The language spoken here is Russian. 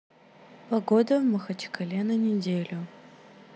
погода в махачкале на неделю